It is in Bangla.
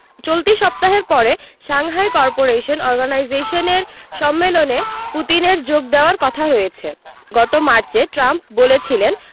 চলতি সপ্তাহের পরে সাংহাই করপোরেশন অর্গানাইজেশনের সম্মেলনে পুতিনের যোগ দেওয়ার কথা রয়েছে গত মার্চে ট্রাম্প বলেছিলেন